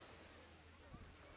ладно спасибо вы все молодцы